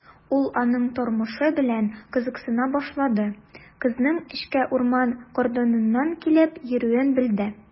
Ул аның тормышы белән кызыксына башлады, кызның эшкә урман кордоныннан килеп йөрүен белде.